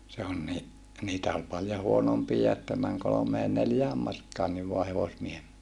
se on niin niitä oli paljon huonompia että meni kolmeen neljään markkaankin vain hevosmiehen